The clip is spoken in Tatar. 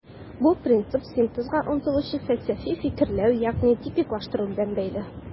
Бу принцип синтезга омтылучы фәлсәфи фикерләү, ягъни типиклаштыру белән бәйле.